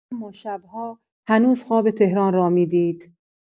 اما شب‌ها هنوز خواب تهران را می‌دید.